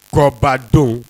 Kɔbadon